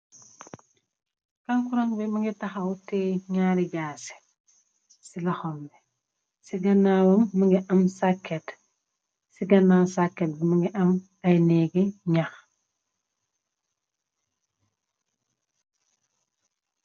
Kankuran bi mugii taxaw teyeh ñaari jààsi ci loxom bi. Ci ganaw wam mugii am saket si ganaw saket bi mugii am ay nehgi ñax.